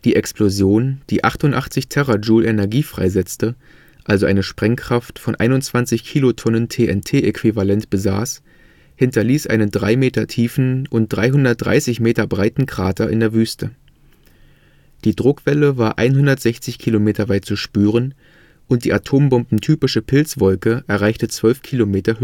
Explosion, die 88 TJ Energie freisetzte, also eine Sprengkraft von 21 Kilotonnen TNT-Äquivalent besaß, hinterließ einen drei Meter tiefen und 330 Meter breiten Krater (33° 40′ 38″ N, 106° 28′ 32″ W 33.677309999722-106.475426 Koordinaten: 33° 40′ 38″ N, 106° 28′ 32″ W) in der Wüste. Die Druckwelle war 160 Kilometer weit zu spüren und die atombomben-typische Pilzwolke erreichte 12 Kilometer